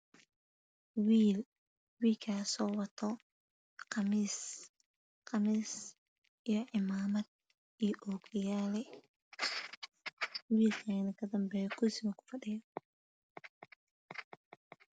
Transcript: Wiil wiilkaso wato khamiis cadaana wata